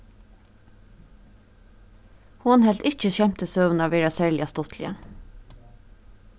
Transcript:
hon helt ikki skemtisøguna vera serliga stuttliga